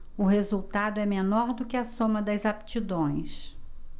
o resultado é menor do que a soma das aptidões